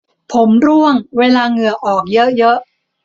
ผมร่วงเวลาเหงื่อออกเยอะเยอะ